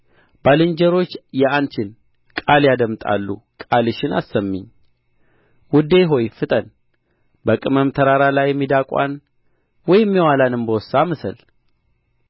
ባልንጀሮች የአንቺን ቃል ያደምጣሉ ቃልሽን አሰሚኝ ውዴ ሆይ ፍጠን በቅመም ተራራ ላይ ሚዳቋን ወይም የዋላን እምቦሳ ምሰል